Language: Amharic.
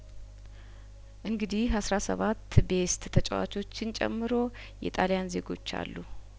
እንግዲህ አስራ ሰባት ቤስት ተጫዋቾችን ጨምሮ የጣልያን ዜጐች አሉ